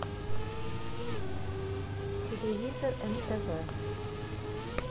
телевизор мтв